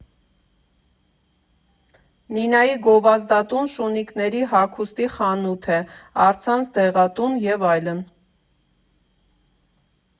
Նինայի գովազդատուն շունիկների հագուստի խանութ է, առցանց դեղատուն և այլն։